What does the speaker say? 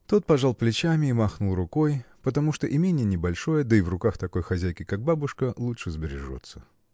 Тот пожал плечами и махнул рукой, потому что имение небольшое да и в руках такой хозяйки, как бабушка, лучше сбережется.